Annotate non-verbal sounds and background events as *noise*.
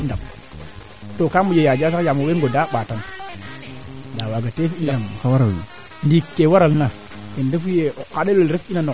kon o xaaga moƴ xup rendement yee o xene kaa o xene kee waagona jang superficie fee wagoona xot waag ino xoox *unintelligible*